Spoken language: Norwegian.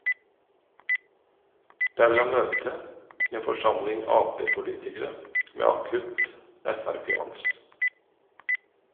Der vil han møte en forsamling Ap-politikere med akutt Frp-angst.